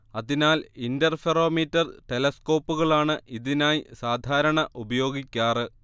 അതിനാൽ ഇന്റർഫെറൊമീറ്റർ ടെലസ്കോപ്പുകളാണ് ഇതിനായി സാധാരണ ഉപയോഗിക്കാറ്